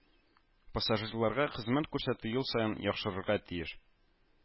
Пассажирларга хезмәт күрсәтү ел саен яхшырырга тиеш